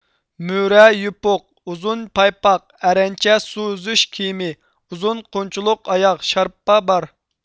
مۈرە يۇپۇق ئۇزۇن پايپاق ئەرەنچە سۇ ئۈزۈش كىيىمى ئۇزۇن قونچلۇق ئاياغ شارپا بار